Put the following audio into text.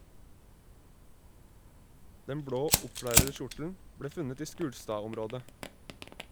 Den blå oppflerrede kjortelen ble funnet i Skulstadområdet.